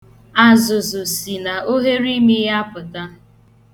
Azụzụ si n'oghereimi ya apụta.